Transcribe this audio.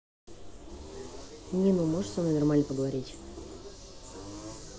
нину можешь со мной нормально поговорить